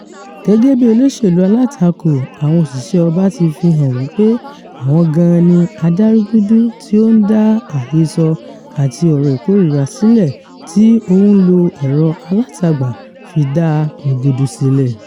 Gẹ́gẹ́ bíi olóṣèlú alátakò, àwọn òṣìṣẹ́ ọba ti fi hàn wípé àwọn gan-an ni adárúgúdù tí ó ń dá àhesọ àti ọ̀rọ̀ ìkórìíra sílẹ̀, tí ó ń lo ẹ̀rọ-alátagbà fi dá rúgúdù sílẹ̀.